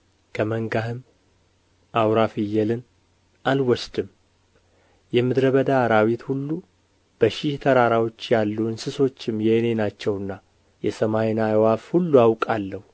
ከመንጋህም አውራ ፍየልን አልወስድም የምድረ በዳ አራዊት ሁሉ በሺህ ተራራዎች ያሉ እንስሶችም የእኔ ናቸውና የሰማይን አዕዋፍ ሁሉ አውቃለሁ